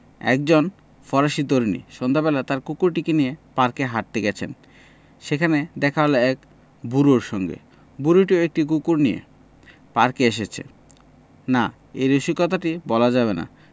একজন ফরাসি তরুণী সন্ধ্যাবেলা তার কুকুরটিকে নিয়ে পার্কে হাঁটতে গেছেন সেখানে দেখা হল এক বুড়োর সঙ্গে বুড়োটিও একটি কুকুর নিয়ে পার্কে এসেছে না এই রসিকতাটি বলা যাবে না